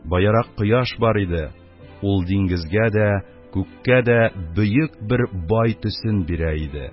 Баярак кояш бар иде, ул диңгезгә дә, күккә дә бөек бер бай төсен бирә иде.